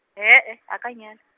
ee, a ke a nyalwa.